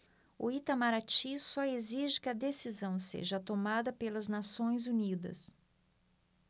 o itamaraty só exige que a decisão seja tomada pelas nações unidas